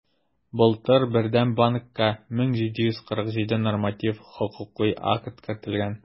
Былтыр Бердәм банкка 1747 норматив хокукый акт кертелгән.